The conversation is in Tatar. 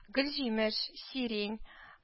Гөлҗимеш, сирень